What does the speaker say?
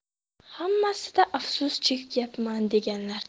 hammasida afsus chekyapman deganlar